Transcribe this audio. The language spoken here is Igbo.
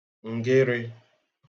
ǹgịrị̄